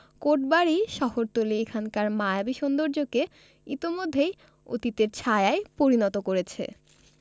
কোটবাড়ি শহরতলি এখানকার মায়াবী সৌন্দর্যকে ইতোমধ্যেই অতীতের ছায়ায় পরিণত করেছে